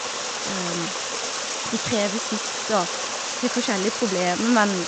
De krever sitt og har forskjellige problemer, men...